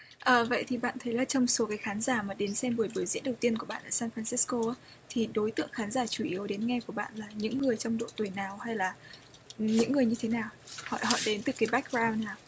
ờ vậy thì bạn thấy là trong số các khán giả đến xem buổi biểu diễn đầu tiên của bạn ở san phan sít cô á thì đối tượng khán giả chủ yếu đến nghe của bạn là những người trong độ tuổi nào hay là những người như thế nào họ đến từ cái bách gờ rao nào